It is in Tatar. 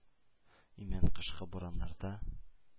Имән кышкы бураннарда.